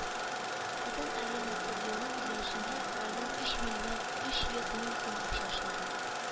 “казан-арена” стадионы төзелешендә район өч миллион өч йөз мең сум акча эшләгән.